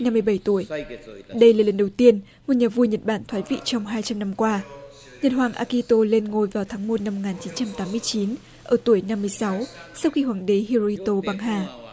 năm mươi bảy tuổi đây là lần đầu tiên ngôi nhà vua nhật bản thoái vị trong hai trăm năm qua nhật hoàng a ki hi tô lên ngôi vào tháng một năm một ngàn chín trăm tám mươi chín ở tuổi năm mươi sáu sau khi hoàng đế hi ri tô băng ha